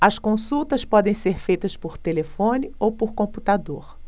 as consultas podem ser feitas por telefone ou por computador